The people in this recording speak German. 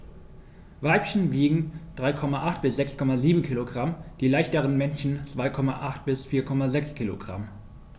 Weibchen wiegen 3,8 bis 6,7 kg, die leichteren Männchen 2,8 bis 4,6 kg.